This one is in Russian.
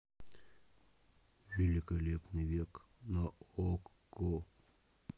великолепный век на окко